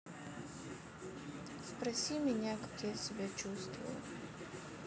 спроси меня как я себя чувствую